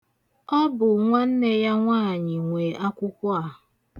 Ọ bụ nwanne ya nwaanyị nwe akwụkwọ a.